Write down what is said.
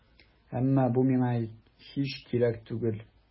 Әмма бу миңа һич кирәк түгел.